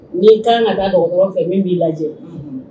N'i kan ka taa docteur fɛ min bi lajɛ